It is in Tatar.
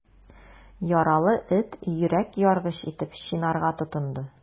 Яралы эт йөрәк яргыч итеп чинарга тотынды.